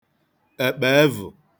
èkpèevụ̀